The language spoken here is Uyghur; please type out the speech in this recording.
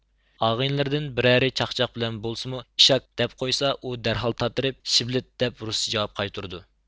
ئاغىنىلىرىدىن بىرەرى چاقچاق بىلەن بولسىمۇ ئىشاك دەپ قويسا ئۇدەرھال تاتىرىپ شىبلىت دەپ رۇسچە جاۋاب قايتۇرىدۇ